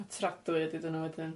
A tradwy ydi diwrno wedyn.